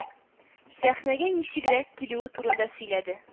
Сәхнәгә ничегрәк килүе турында сөйләде